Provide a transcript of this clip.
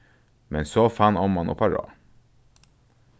men so fann omman upp á ráð